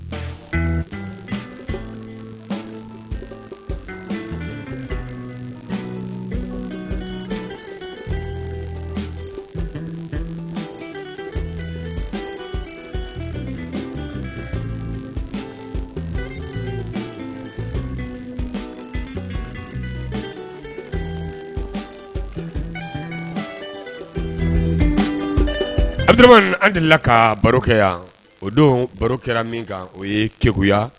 A adama an delila ka baro kɛ yan o don baro kɛra min kan o ye kekuya